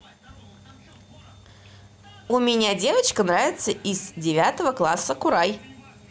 у меня девочка нравится из девятого класса курай